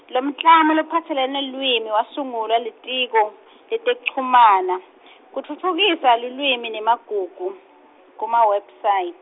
lomklamo lophatselene nelulwimi wasungulwa Litiko letekuchumana kutfutfukisa lulwimi nemagugu kuma-websit-.